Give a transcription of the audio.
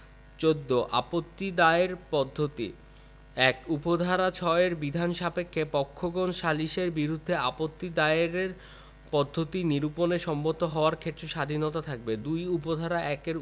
১৪ আপত্তি দায়ের পদ্ধতিঃ ১ উপ ধারা ৬ এর বিধান সাপেক্ষে পক্ষগণ সালিসের বিরুদ্ধে আপত্তি দায়েরের পদ্ধতি নিরুপণের সম্মত হওয়ার ক্ষেত্রে স্বাধীনতা থাকিবে ২ উপ ধারা ১ এ